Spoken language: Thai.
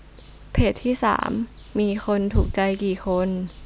เพจที่สามมีคนถูกใจกี่คน